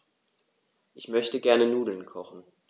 Ich möchte gerne Nudeln kochen.